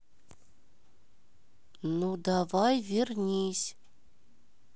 ну давай вернись